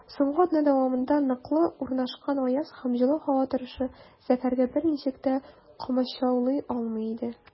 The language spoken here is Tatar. Соңгы атна дәвамында ныклап урнашкан аяз һәм җылы һава торышы сәфәргә берничек тә комачаулый алмый иде.